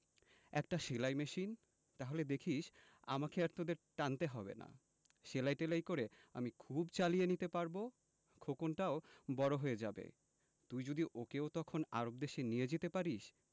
একটা সেলাই মেশিন তাহলে দেখিস আমাকে আর তোদের টানতে হবে না সেলাই টেলাই করে আমি খুব চালিয়ে নিতে পারব খোকনটাও বড় হয়ে যাবে তুই যদি ওকেও তখন আরব দেশে নিয়ে যেতে পারিস